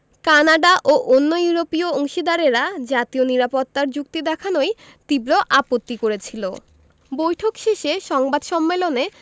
Canada ও অন্য ইউরোপীয় অংশীদারেরা জাতীয় নিরাপত্তা র যুক্তি দেখানোয় তীব্র আপত্তি করেছিল বৈঠক শেষে সংবাদ সম্মেলনে